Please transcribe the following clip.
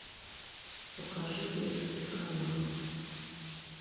покажи детские каналы